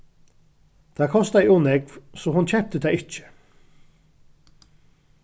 tað kostaði ov nógv so hon keypti tað ikki